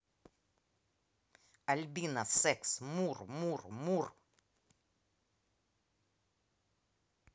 альбина секс мур мур мур